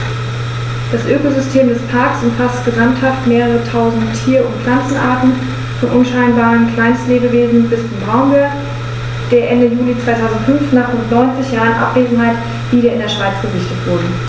Das Ökosystem des Parks umfasst gesamthaft mehrere tausend Tier- und Pflanzenarten, von unscheinbaren Kleinstlebewesen bis zum Braunbär, der Ende Juli 2005, nach rund 90 Jahren Abwesenheit, wieder in der Schweiz gesichtet wurde.